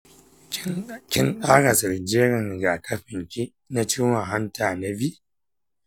kin ƙarasa jerin rigakafin ki na ciwon hanta na b?